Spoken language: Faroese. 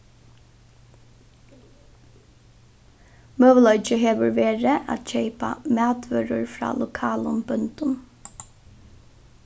møguleiki hevur verið at keypa matvørur frá lokalum bóndum